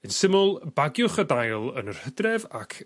yn syml bagiwch y dail yn yr Hydref ac